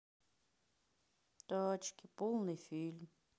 тачки полный фильм